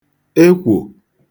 ekwò